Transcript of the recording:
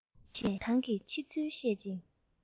ཨ མས ཞིང ཐང གི ཆེ ཚུལ བཤད ཅིང